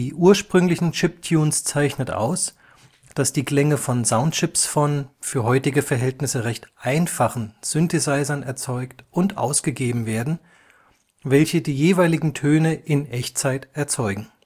ursprünglichen Chiptunes zeichnet aus, dass die Klänge durch Soundchips von – für heutige Verhältnisse recht einfachen – Synthesizern erzeugt und ausgegeben werden, welche die jeweiligen Töne in Echtzeit erzeugen